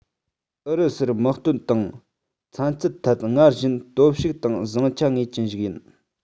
ཨུ རུ སུར དམག དོན དང ཚན རྩལ ཐད སྔར བཞིན སྟོབས ཤུགས དང བཟང ཆ ངེས ཅན ཞིག ཡོད